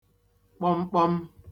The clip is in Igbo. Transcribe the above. kpọmkpọm